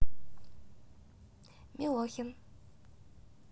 милохин